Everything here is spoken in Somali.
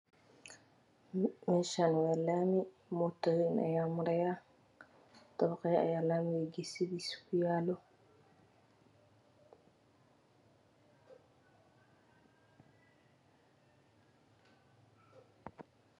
Meeshaani waa laami motooyin ayaa marayo dabaqyo ayaa laamiga deystiis ku yaaalo.